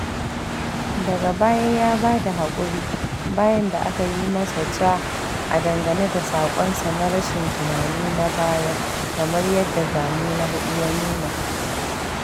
Daga baya ya ba da haƙuri, bayan da aka yi masa ca, a dangane da saƙonsa na "rashin tunani" na baya kamar yadda Zane na 4 ya nuna.